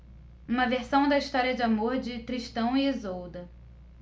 uma versão da história de amor de tristão e isolda